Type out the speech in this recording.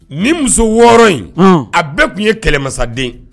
Nin muso wɔɔrɔ in a bɛɛ tun ye kɛlɛmasaden.